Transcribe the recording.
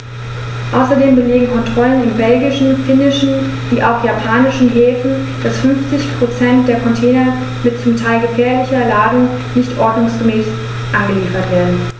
Außerdem belegen Kontrollen in belgischen, finnischen wie auch in japanischen Häfen, dass 50 % der Container mit zum Teil gefährlicher Ladung nicht ordnungsgemäß angeliefert werden.